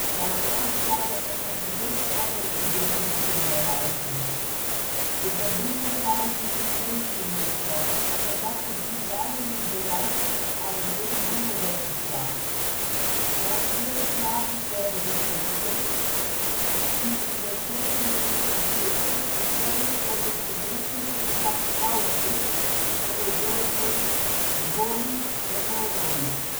Daarnaast zouden er nog diverse andere fabrieken moeten herrijzen. De fabrieken zouden in Silezië moeten komen, omdat dat gebied buiten het bereik van de geallieerde bommenwerpers lag. Na diverse plaatsen te hebben bekeken, viel in december 1940 de keuze op het gebied tussen de stad Auschwitz en de dorpen Dwory en Monowitz